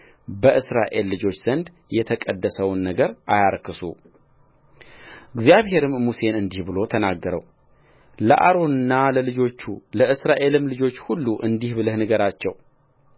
በእስራኤል ልጆች ዘንድ የተቀደሰውን ነገር አያርክሱእግዚአብሔርም ሙሴን እንዲህ ብሎ ተናገረውለአሮንና ለልጆቹ ለእስራኤልም ልጆች ሁሉ እንዲህ ብለህ ንገራቸው